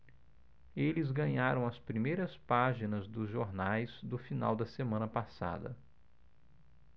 eles ganharam as primeiras páginas dos jornais do final da semana passada